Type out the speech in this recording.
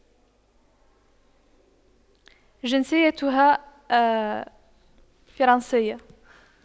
جنسيتها فرنسية